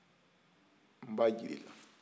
n b'a jira e la